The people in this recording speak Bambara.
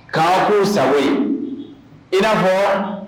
'kun sago ye i'a fɔ wa